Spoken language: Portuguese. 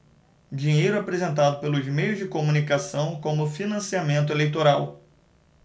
dinheiro apresentado pelos meios de comunicação como financiamento eleitoral